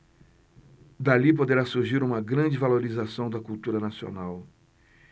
dali poderá surgir uma grande valorização da cultura nacional